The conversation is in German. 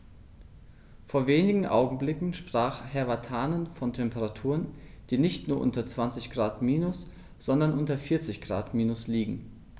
Vor wenigen Augenblicken sprach Herr Vatanen von Temperaturen, die nicht nur unter 20 Grad minus, sondern unter 40 Grad minus liegen.